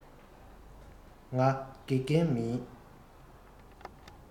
ང དགེ རྒན མིན